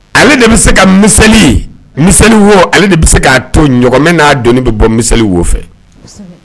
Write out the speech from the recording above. Ale de bɛ se ka miseli, miseli wo, ale de bɛ se ka don, ɲɔgɔmɛ n'a dɔnni de bɔ miseli wo fɛ. Kosɛbɛ!